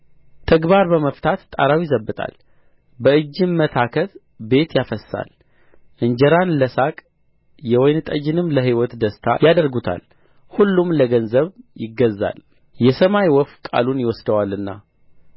ይዘብጣል በእጅም መታከት ቤት ያፈስሳል እንጀራን ለሳቅ የወይን ጠጅንም ለሕይወት ደስታ ያደርጉታል ሁሉም ለገንዘብ ይገዛል የሰማይ ወፍ ቃሉን ይወስደዋልና